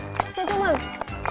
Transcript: xin chúc mừng